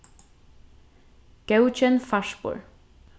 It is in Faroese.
góðkenn farspor